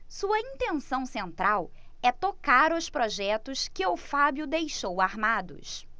sua intenção central é tocar os projetos que o fábio deixou armados